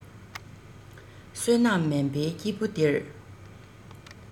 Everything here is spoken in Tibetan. བསོད ནམས དམན པའི སྐྱེ བུ དེར